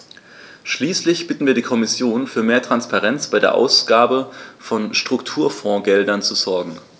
Schließlich bitten wir die Kommission, für mehr Transparenz bei der Ausgabe von Strukturfondsgeldern zu sorgen.